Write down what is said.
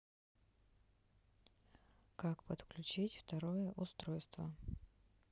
как подключить второе устройство